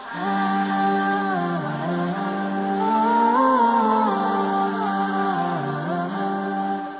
Wa